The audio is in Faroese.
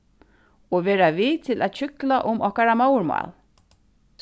og vera við til at hjúkla um okkara móðurmál